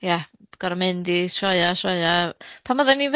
ia goro mynd i sioea a sioea,